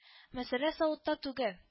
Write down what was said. Мәсьәлә савытта түгел